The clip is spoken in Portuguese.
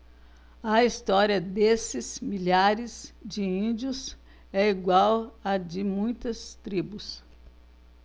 a história desses milhares de índios é igual à de muitas tribos